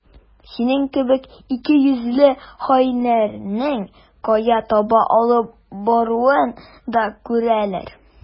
Синең кебек икейөзле хаиннәрнең кая таба алып баруын да күрәләр.